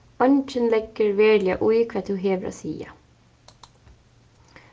eingin leggur veruliga í hvat tú hevur at siga